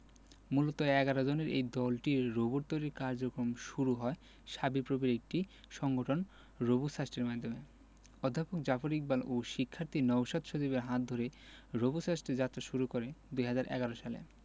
মূলত ১১ জনের এই দলটির রোবট তৈরির কার্যক্রম শুরু হয় শাবিপ্রবির একটি সংগঠন রোবোসাস্টের মাধ্যমে অধ্যাপক জাফর ইকবাল ও শিক্ষার্থী নওশাদ সজীবের হাত ধরে রোবোসাস্ট যাত্রা শুরু করে ২০১১ সালে